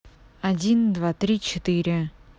один два три четыре